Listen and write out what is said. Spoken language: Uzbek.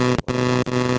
yomonlik oyoq ostida